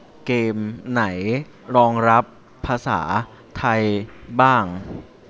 เกมไหนรองรับภาษาไทยบ้าง